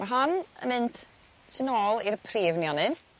ma' hon yn mynd tu nôl i'r prif nionyn.